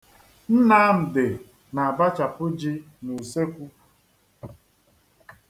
Nnamdị na-abachapu ji n'usekwu